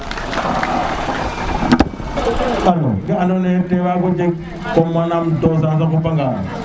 abdu ke andona ye ten wago jeg comme manam dosage a xupa nga